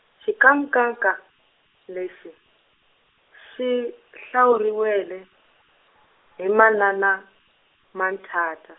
xinkankanka, lexi, xi hlawuriwile, hi manana, Manthata.